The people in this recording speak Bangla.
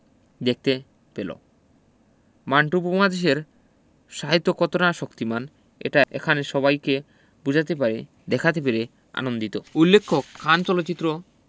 দেখতে পেল মান্টো উপমহাদেশের সাহিত্য কতটা শক্তিমান এটা এখানে সবাইকে বোঝাতে পেরে দেখাতে পেরে আনন্দিত উল্লেখ্য কান চলচ্চিত্র